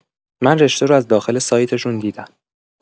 من رشته رو از داخل سایتشون دیدم